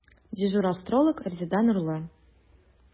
Дежур астролог – Резеда Нурлы.